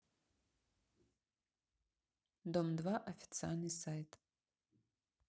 дом два официальный сайт